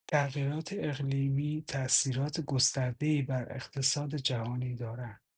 تغییرات اقلیمی تأثیرات گسترده‌ای بر اقتصاد جهانی دارند.